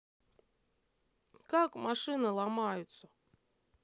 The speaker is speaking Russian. как машины ломаются